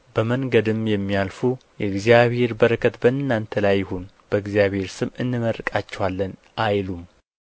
በመንገዱም የሚያልፉ የእግዚአብሔር በረከት በእናንተ ላይ ይሁን በእግዚአብሔር ስም እንመርቃችኋለን አይሉም